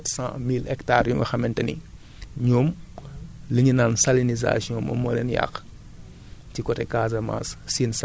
te bu ñu xoolee ne fii ci Sénégal daanaka am na lu mat un millions sept cent mille hectares yu nga xamante ni ñoom